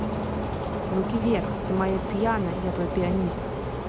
руки вверх ты моя пьяная я твой пианист